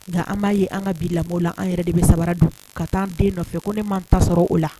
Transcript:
Nka an b'a ye an ka bi lamɔla an yɛrɛ de bɛ samara don, ka taa an den nɔfɛ ko ne ma n ta sɔrɔ o la